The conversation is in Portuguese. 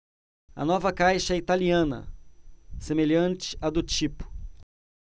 a nova caixa é italiana semelhante à do tipo